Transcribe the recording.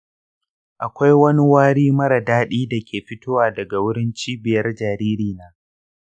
akwai wani wari mara daɗi da ke fitowa daga wurin cibiyar jaririna.